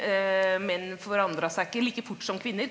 menn forandra seg ikke like fort som kvinner.